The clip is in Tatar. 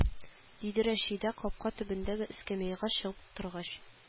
Диде рәшидә капка төбендәге эскәмиягә чыгып утыргач